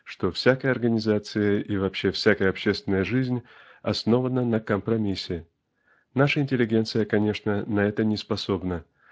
что всякая организация и вообще всякая общественная жизнь основана на компромиссе. Наша интеллигенция конечно на это неспособна